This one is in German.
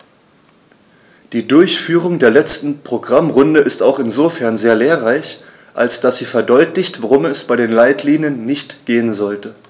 Die Durchführung der letzten Programmrunde ist auch insofern sehr lehrreich, als dass sie verdeutlicht, worum es bei den Leitlinien nicht gehen sollte.